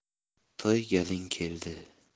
toy galing keldi